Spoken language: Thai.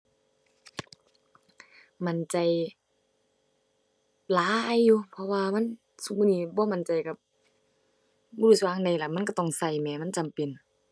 มั่นใจหลายอยู่ เพราะว่ามัน ซุมื้อนี้บ่มั่นใจก็บ่รู้สิว่าจั่งใดล่ะ มันก็ต้องก็แหม มันจำเป็น